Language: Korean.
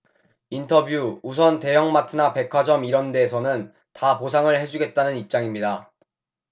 인터뷰 우선 대형마트나 백화점 이런 데서는 다 보상을 해 주겠다는 입장입니다